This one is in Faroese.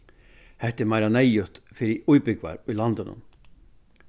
hetta er meira neyðugt fyri íbúgvar í landinum